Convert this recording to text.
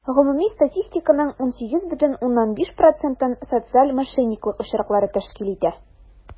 Гомуми статистиканың 18,5 процентын социаль мошенниклык очраклары тәшкил итә.